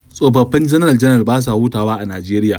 Tsofaffin janar-janar ba sa hutawa a Najeriya